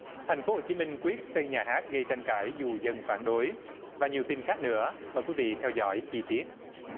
thành phố hồ chí minh quyết xây nhà hát gây tranh cãi dù dân phản đối và nhiều tin khác nữa mời quý vị theo dõi chi tiết